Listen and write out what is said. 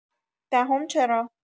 دهم چرا؟